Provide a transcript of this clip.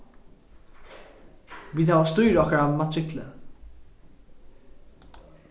vit hava stýr á okkara matrikkli